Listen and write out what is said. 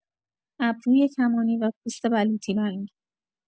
ابروی کمانی و پوست بلوطی‌رنگ